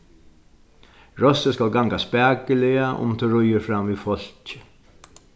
rossið skal ganga spakuliga um tú ríður fram við fólki